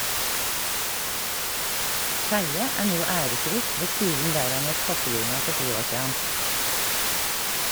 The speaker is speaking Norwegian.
Skeie er no æresruss ved skulen der han gjekk kokkelina for ti år sidan.